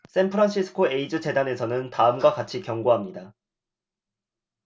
샌프란시스코 에이즈 재단에서는 다음과 같이 경고합니다